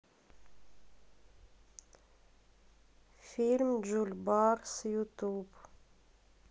фильм джульбарс ютуб